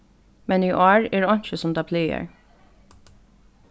men í ár er einki sum tað plagar